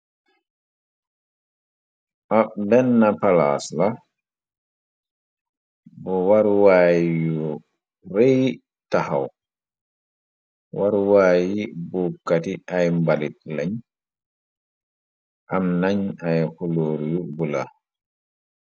Ab benn palaas la bu waruwaay yu rëy taxaw, waruwaayyi buukati ay mbalit lañ, am nañ ay kulóor yu bula.